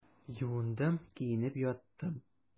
Юындым, киенеп яттым.